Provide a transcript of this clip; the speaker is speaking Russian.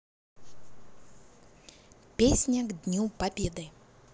песня к дню победы